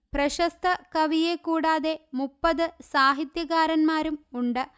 പ്രശസ്ത കവിയെ കൂടാതെ മുപ്പത് സാഹിത്യകാരന്മാരും ഉണ്ട്